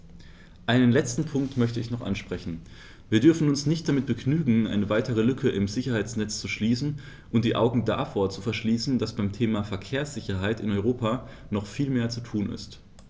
Einen letzten Punkt möchte ich noch ansprechen: Wir dürfen uns nicht damit begnügen, eine weitere Lücke im Sicherheitsnetz zu schließen und die Augen davor zu verschließen, dass beim Thema Verkehrssicherheit in Europa noch viel mehr zu tun ist.